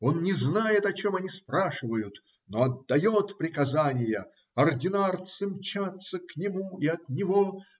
Он не знает, о чем они спрашивают, но отдает приказания, ординарцы мчатся к нему и от него.